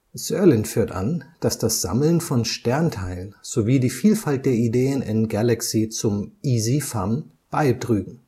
Sirlin führt an, dass das Sammeln von Sternteilen sowie die Vielfalt der Ideen in Galaxy zum „ Easy Fun “beitrügen